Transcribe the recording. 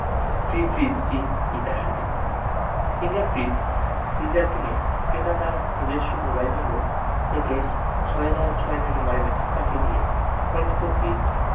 free ফ্রিজটি জেতার সুযোগ সিঙ্গার ফ্রিজ ফ্রিজার কিনে ক্রেতা তার নিজস্ব মোবাইল নম্বর থেকে ৬৯৬৯ নম্বরে ম্যাসেজ পাঠিয়ে দিয়ে ক্রয়কিত ফ্রিজ